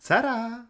Ta-ra!